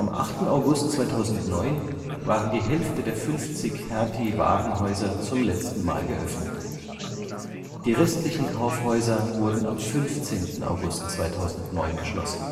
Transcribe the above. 8. August 2009 waren die Hälfte der 50 Hertie-Warenhäuser zum letzten Mal geöffnet. Die restlichen Kaufhäuser wurden am 15. August 2009 geschlossen